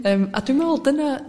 yym a dwi'n me'l dyna